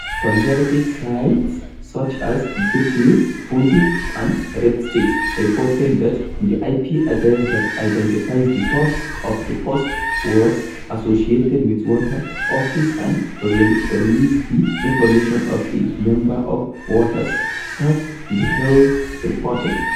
Conservative sites such as Gateway Pundit and RedState reported that the IP address that identifies the source of the posts was associated with Waters" office and released the information of a member of Waters' staff, the Hill reported.